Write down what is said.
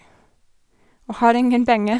Og har ingen penger.